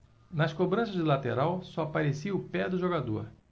nas cobranças de lateral só aparecia o pé do jogador